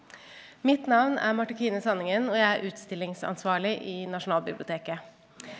mitt navn er Marte-Kine Sandengen og jeg er utstillingsansvarlig i Nasjonalbiblioteket.